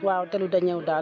waaw teelut a ñëw daal